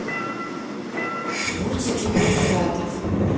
мультики про пиратов